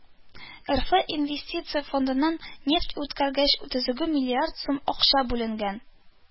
РФ Инвестиция фондыннан нефть үткәргеч төзүгә миллиард сум акча бүленгән